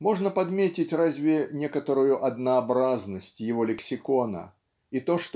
Можно подметить разве некоторую однообразность его лексикона и то